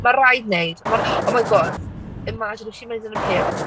Ma' raid wneud. Ma' ra-... O my God, imagine if she made an appearance.